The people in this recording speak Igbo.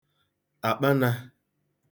àkpanā